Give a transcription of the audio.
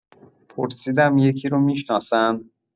پرسیدم یکی رو می‌شناسن